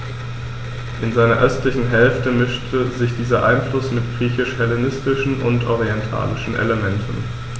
In seiner östlichen Hälfte mischte sich dieser Einfluss mit griechisch-hellenistischen und orientalischen Elementen.